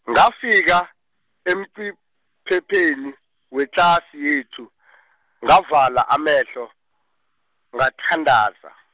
ngafika, emciphepheni wetlasi yethu , ngavala amehlo, ngathandaza.